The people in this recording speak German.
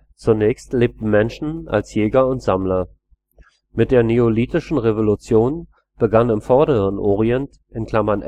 Zunächst lebten Menschen als Jäger und Sammler. Mit der Neolithischen Revolution begannen im Vorderen Orient (11.